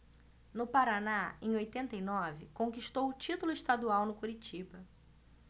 no paraná em oitenta e nove conquistou o título estadual no curitiba